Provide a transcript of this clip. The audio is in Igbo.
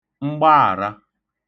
mgbaàra